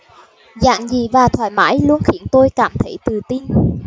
giản dị và thoải mái luôn khiến tôi cảm thấy tự tin